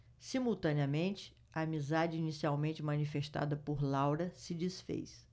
simultaneamente a amizade inicialmente manifestada por laura se disfez